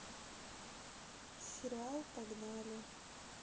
сериал погнали